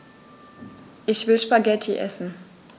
Ich will Spaghetti essen.